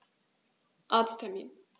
Arzttermin